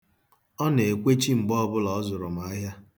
Ọ na-ekwechi mgbe ọbụla ọ zụrụ m ahịa.